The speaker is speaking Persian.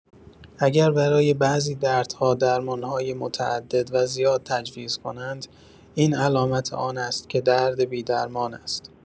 اگر برای بعضی دردها درمان‌های متعدد و زیاد تجویز کنند، این علامت آن است که درد بی‌درمان است.